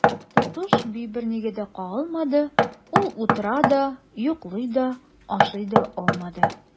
Тотыш би бернигә дә кагылмады, ул утыра да, йоклый да, ашый да алмады.